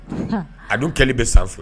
A dun kɛli bɛ san fila